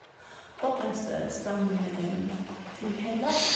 Og reise sammen med dem til Hellas.